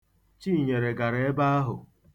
Chinyere gara nọọ̀rị.